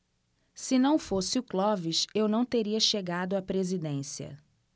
se não fosse o clóvis eu não teria chegado à presidência